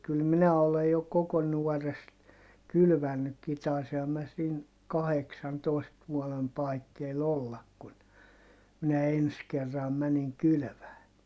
kyllä minä olen jo koko nuoresta kylvänytkin taisinhan minä siinä kahdeksantoista vuoden paikkeilla olla kun minä ensi kerran menin kylvämään